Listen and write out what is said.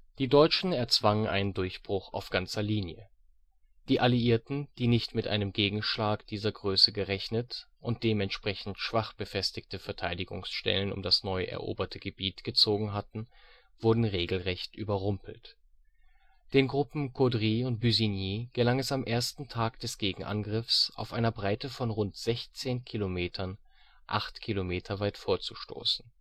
Die Deutschen erzwangen einen Durchbruch auf ganzer Linie. Die Alliierten, die nicht mit einem Gegenschlag dieser Größe gerechnet und dementsprechend schwach befestigte Verteidigungsstellungen um das neu eroberte Gebiet gezogen hatten, wurden regelrecht überrumpelt. Datei:Tankwracks.jpg Zerstörte britische Panzer bei Cambrai Den Gruppen " Caudry " und " Busigny " gelang es am ersten Tag des Gegenangriffs auf einer Breite von rund 16 Kilometern, acht Kilometer weit vorzustoßen